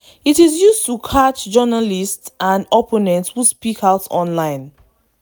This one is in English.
It is used to catch journalists and opponents who speak out online.